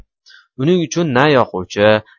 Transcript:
uning uchun na yoquvchi